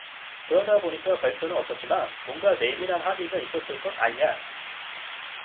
그러다 보니까 발표는 없었지만 뭔가 내밀한 합의가 있었을 것 아니냐